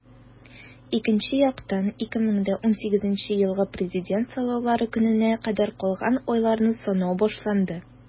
Икенче яктан - 2018 елгы Президент сайлаулары көненә кадәр калган айларны санау башланды.